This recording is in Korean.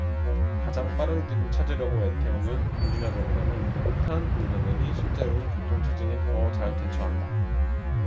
가장 빠른 길을 찾으려고 애태우는 운전자들보다는 느긋한 운전자들이 실제로는 교통 체증에 더 잘 대처한다